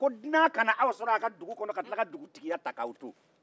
ko dunan ka na aw sɔrɔ a' ka dugu kɔnɔ ka tila ka dugu tigiya ta k'aw to